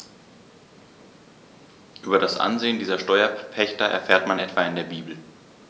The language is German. Über das Ansehen dieser Steuerpächter erfährt man etwa in der Bibel.